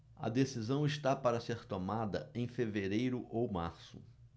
a decisão está para ser tomada em fevereiro ou março